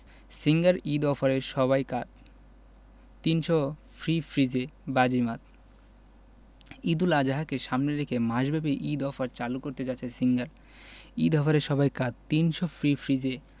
singer Eid অফারে সবাই কাত ৩০০ ফ্রি ফ্রিজে বাজিমাত ঈদুল আজহাকে সামনে রেখে মাসব্যাপী ঈদ অফার চালু করতে যাচ্ছে সিঙ্গার ঈদ অফারে সবাই কাত ৩০০ ফ্রি ফ্রিজে